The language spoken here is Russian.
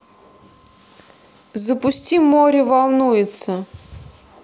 запусти море волнуется